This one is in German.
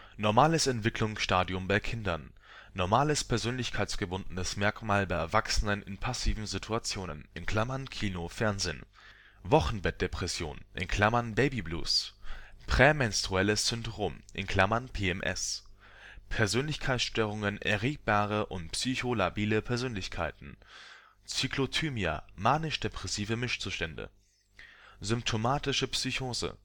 normales Entwicklungsstadium bei Kindern normales persönlichkeitsgebundenes Merkmal bei Erwachsenen in passiven Situationen (Kino, Fernsehen) Wochenbettdepression (Baby Blues) Prämenstruelles Syndrom (PMS) Persönlichkeitsstörungen, erregbare und psycholabile Persönlichkeiten Zyklothymia, manisch-depressive Mischzustände symptomatische Psychose